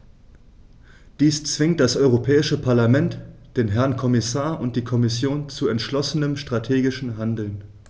Dies zwingt das Europäische Parlament, den Herrn Kommissar und die Kommission zu entschlossenem strategischen Handeln.